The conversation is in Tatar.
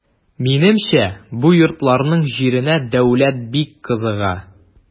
Минемчә бу йортларның җиренә дәүләт бик кызыга.